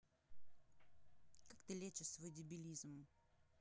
как ты лечишь свой дебилизм